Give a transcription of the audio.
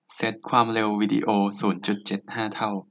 เซ็ตความเร็ววีดีโอศูนย์จุดเจ็ดห้าเท่า